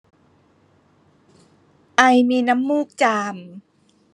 ไอมีน้ำมูกจาม